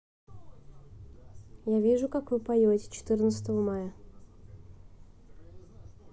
я вижу как вы поете четырнадцатого мая